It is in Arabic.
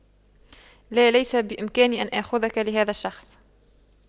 لا ليس بإمكاني أن آخذك لهذا الشخص